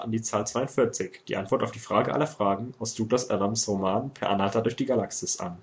die Zahl 42, die Antwort auf die „ Frage aller Fragen “aus Douglas Adams’ Roman Per Anhalter durch die Galaxis, an